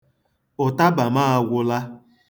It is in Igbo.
Ụtaba m agwụla.